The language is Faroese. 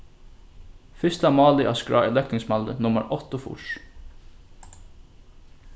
fyrsta málið á skrá er løgtingsmálið nummar áttaogfýrs